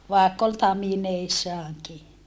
vaikka oli tamineissaankin